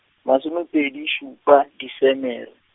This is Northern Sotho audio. masomepedi šupa, Desemere.